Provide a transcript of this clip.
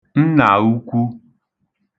nnà ukwu